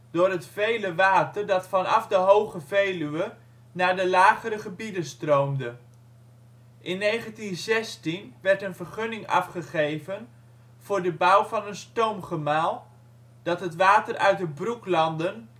door het vele water dat vanaf de Hoge Veluwe naar de lagere gebieden stroomde. In 1916 werd een vergunning afgegeven voor de bouw van een stoomgemaal, dat het water uit de broeklanden